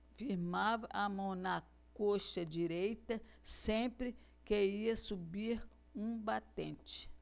firmava a mão na coxa direita sempre que ia subir um batente